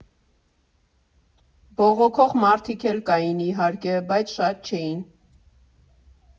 Բողոքող մարդիկ էլ կային, իհարկե, բայց շատ չէին։